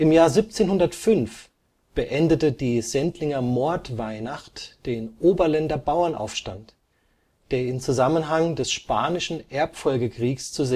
Jahr 1705 beendete die Sendlinger Mordweihnacht den Oberländer Bauernaufstand, der im Zusammenhang des Spanischen Erbfolgekriegs zu